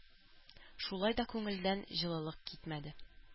Шулай да күңелдән җылылык китмәде.